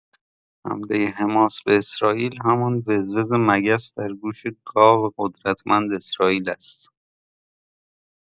حمله حماس به اسرائیل، همان وز وز مگس در گوش گاو قدرتمند اسرائیل هست.